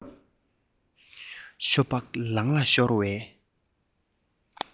ཤོ སྦག ལང ལ ཤོར པའི